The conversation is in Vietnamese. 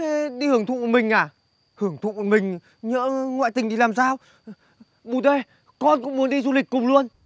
thế đi hưởng thụ một mình à hưởng thụ một mình nhỡ ngoại tình thì làm sao bụt ơi con cũng muốn đi du lịch cùng luôn